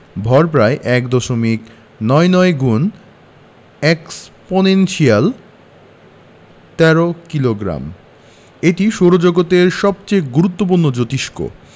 ভর প্রায় এক দশমিক নয় নয় এক্সপনেনশিয়াল ১৩ কিলোগ্রাম এটি সৌরজগতের সবচেয়ে গুরুত্বপূর্ণ জোতিষ্ক